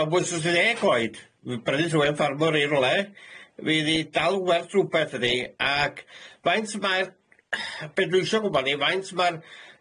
Do'n bwysos i ddeg oed f- bryddi rhywun ffarmwr i rywle fydd i dal gwerth rwbeth iddi ac faint ma'r be' dwi isio gwbod i faint ma'r